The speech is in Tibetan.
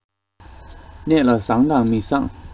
གནས ལ བཟང དང མི བཟང